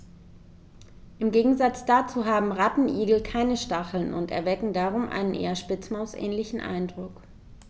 Im Gegensatz dazu haben Rattenigel keine Stacheln und erwecken darum einen eher Spitzmaus-ähnlichen Eindruck.